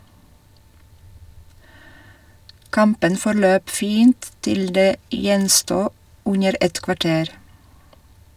Kampen forløp fint til det gjensto under et kvarter.